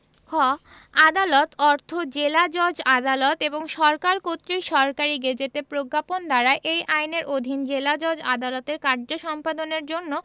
খ আদালত অর্থ জেলাজজ আদালত এবং সরকার কর্তৃক সরকারী গেজেটে প্রজ্ঞাপন দ্বারা এই আইনের অধীন জেলাজজ আদালতের কার্য সম্পাদনের জন্য